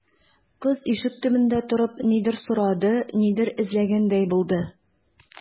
Кыз, ишек төбендә торып, нидер сорады, нидер эзләгәндәй булды.